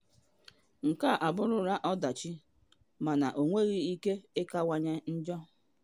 Nke a abụrụla ọdachi, mana ọ nwere ike ịkawanye njọ.”